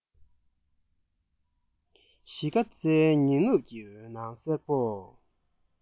གཞིས ཀ རྩེའི ཉི ནུབ ཀྱི འོད སྣང སེར པོ